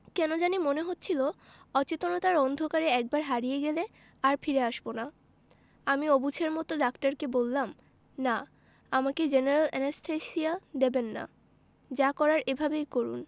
কেন জানি মনে হচ্ছিলো অচেতনতার অন্ধকারে একবার হারিয়ে গেলে আর ফিরে আসবো না আমি অবুঝের মতো ডাক্তারকে বললাম না আমাকে জেনারেল অ্যানেসথেসিয়া দেবেন না যা করার এভাবেই করুন